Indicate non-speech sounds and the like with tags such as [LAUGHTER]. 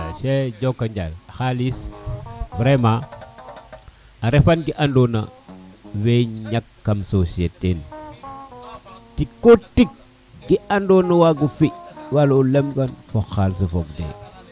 Cheikh jokonjal xalis vraiment [MUSIC] a refaan ken ando na we ñak kam société ne [MUSIC] tigo tig ke ando na wago fi wala o lem kan bpo xalis a fog te